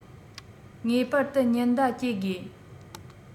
ངེས པར དུ ཉེན བརྡ སྐྱེལ དགོས